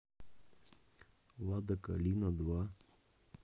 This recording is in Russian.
лада калина два